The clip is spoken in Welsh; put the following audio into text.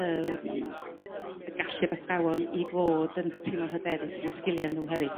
Yrm. Y gallu'r athrawon i fod yn t'imlo'n hyderus yn 'u sgilie nhw hefyd.